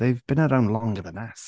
They've been around longer than us.